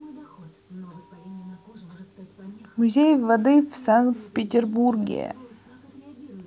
музей воды в санкт петербурге